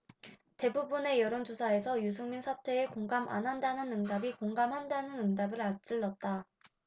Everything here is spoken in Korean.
대부분의 여론조사에서 유승민 사퇴에 공감 안 한다는 응답이 공감한다는 응답을 앞질렀다